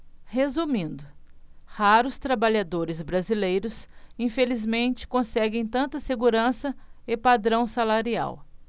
resumindo raros trabalhadores brasileiros infelizmente conseguem tanta segurança e padrão salarial